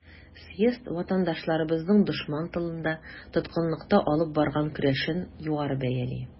Съезд ватандашларыбызның дошман тылында, тоткынлыкта алып барган көрәшен югары бәяли.